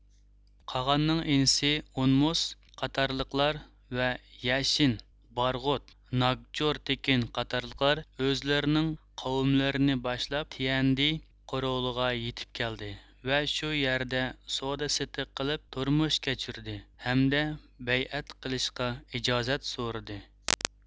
قاغاننىڭ ئىنىسى ئونمۇس قاتارلىقلار ۋە يەشىن بارغۇت ناگچۇر تېكىن قاتارلىقلار ئۆزلىرىنىڭ قوۋمىلىرىنى باشلاپ تيەندې قورۇلىغا يېتىپ كەلدى ۋە شۇ يەردە سودا سېتىق قىلىپ تۇرمۇش كەچۈردى ھەمدە بەيئەت قىلىشقا ئىجازەت سورىدى